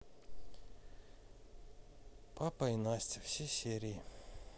папа и настя все серии